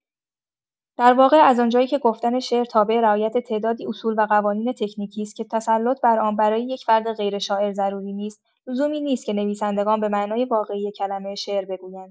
در واقع از آنجایی که گفتن شعر تابع رعایت تعدادی اصول و قوانین تکنیکی است که تسلط بر آن برای یک فرد غیر شاعر ضروری نیست، لزومی نیست که نویسندگان به معنای واقعی کلمه شعر بگویند.